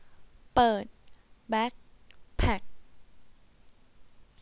เปิดแบคแพ็ค